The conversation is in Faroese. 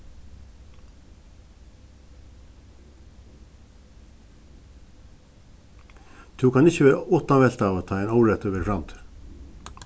tú kann ikki vera uttanveltaður tá ið órættur verður framdur